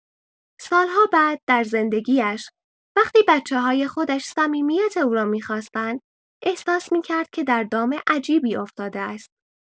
سال‌ها بعد در زندگی‌اش، وقتی بچه‌های خودش صمیمیت او را می‌خواستند، احساس می‌کرد که در دام عجیبی افتاده است.